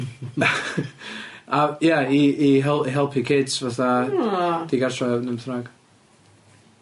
A ie i i hel- i helpu kids fatha... O! ..digartra ne' beth bynnag.